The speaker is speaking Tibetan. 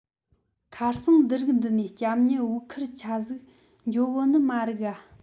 ཁ སང འདི རིགས འདི ནས སྐྱ མྱི བོའུ ཁུར ཆ ཚིག འགྱོ གོ ནི མ རིག ག